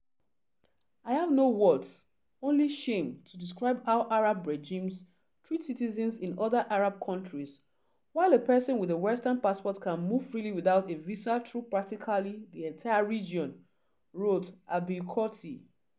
“I have no words, only shame, to describe how Arab regimes treat citizens in other Arab countries, while a person with a Western passport can move freely without a visa through practically the entire region,” wrote Abir Kopty.